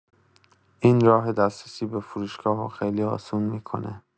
این راه دسترسی به فروشگاهو خیلی آسون می‌کنه.